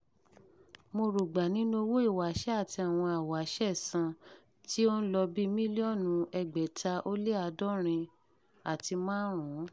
Moro gbà nínú owó ìwáṣẹ̀ tí àwọn awáṣẹ́ san tí ó ń lọ bíi mílíọ̀nù 675 náírà.